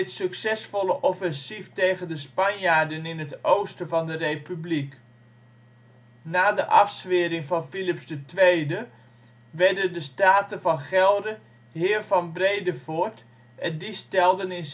succesvolle offensief tegen de Spanjaarden in het oosten van de Republiek. Na de afzwering van Filips II werden de Staten van Gelre ' Heer van Bredevoort ' en die stelden in